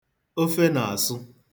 Ofe na-asụ.